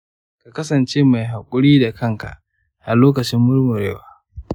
ka kasance mai haƙuri da kanka a lokacin murmurewa.